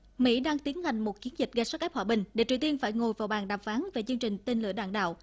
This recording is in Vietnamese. mỹ đang tiến hành một chiến dịch gây sức ép hòa bình để triều tiên phải ngồi vào bàn đàm phán về chương trình tên lửa đạn đạo